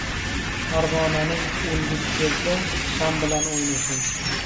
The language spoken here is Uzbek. parvonaning o'lgisi kelsa sham bilan o'ynashar